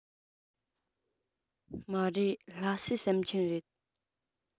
མ རེད ལྷ སའི ཟམ ཆེན རེད